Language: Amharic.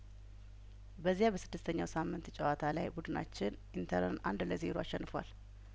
በዚያበስድስተኛው ሳምንት ጨዋታ ላይ ቡድናችን ኢንተርን አንድ ለዜሮ አሸንፏል